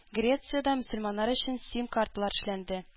Грециядә мөселманнар өчен СИМ-карталар эшләнде.